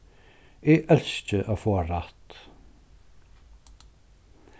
eg elski at fáa rætt